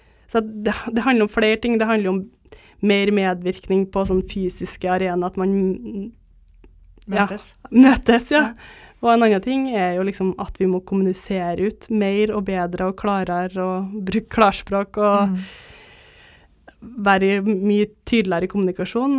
så at det det handler om flere ting det handler om mer medvirkning på sånn fysiske arena at man møtes ja og en annen ting er jo liksom at vi må kommunisere ut mer og bedre og klarere og bruke klarspråk og være mye tydeligere i kommunikasjonen.